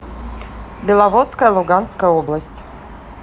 беловодская луганская область